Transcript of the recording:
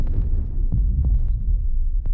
мой любимый марсианин